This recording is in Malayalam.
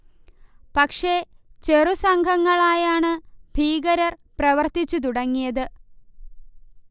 പക്ഷേ, ചെറു സംഘങ്ങളായാണു ഭീകരർ പ്രവർത്തിച്ചു തുടങ്ങിയത്